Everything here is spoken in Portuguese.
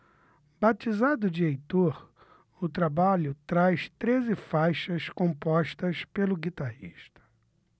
batizado de heitor o trabalho traz treze faixas compostas pelo guitarrista